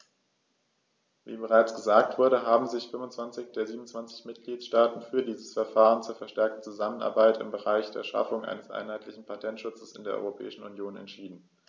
Wie bereits gesagt wurde, haben sich 25 der 27 Mitgliedstaaten für dieses Verfahren zur verstärkten Zusammenarbeit im Bereich der Schaffung eines einheitlichen Patentschutzes in der Europäischen Union entschieden.